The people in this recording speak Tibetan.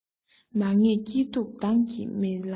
མ ངེས སྐྱིད སྡུག མདང གི རྨི ལམ